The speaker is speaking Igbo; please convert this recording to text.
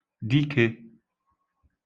dikē